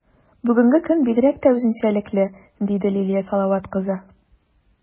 Бүгенге көн бигрәк тә үзенчәлекле, - диде Лилия Салават кызы.